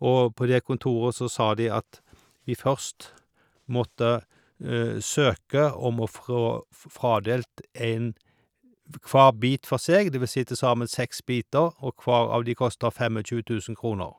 og på det kontoret så sa de at vi først måtte søke om å frå få fradelt en v kvar bit for seg, det vil si til sammen seks biter, og kvar av de kostet fem og tjue tusen kroner.